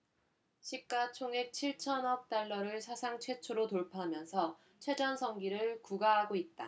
시가 총액 칠 천억 달러를 사상 최초로 돌파하면서 최전성기를 구가하고 있다